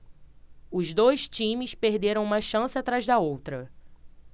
os dois times perderam uma chance atrás da outra